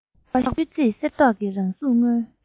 པགས པ བཤུས ཚེ གསེར མདོག གི རང གཟུགས མངོན